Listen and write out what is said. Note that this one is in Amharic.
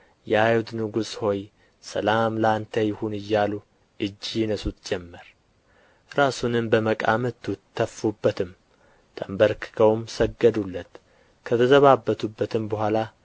ቀይ ልብስም አለበሱት የእሾህ አክሊልም ጎንጉነው ደፉበት የአይሁድ ንጉሥ ሆይ ሰላም ለአንተ ይሁን እያሉ እጅ ይነሱት ጀመር ራሱንም በመቃ መቱት ተፉበትም ተንበርክከውም ሰገዱለት ከተዘባበቱበትም በኋላ